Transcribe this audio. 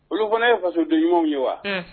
Olu kɔnɔna ye fasodonɲɔgɔnw ye wa